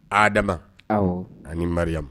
Aadama, awɔ, ani Mariam